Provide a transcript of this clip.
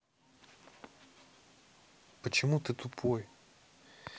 почему ты тупой